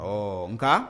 Awɔ Nga